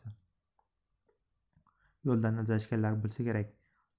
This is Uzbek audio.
yo'ldan adashganlar bo'lsa kerak